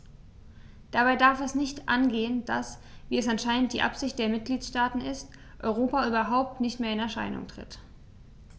Dabei darf es nicht angehen, dass - wie es anscheinend die Absicht der Mitgliedsstaaten ist - Europa überhaupt nicht mehr in Erscheinung tritt.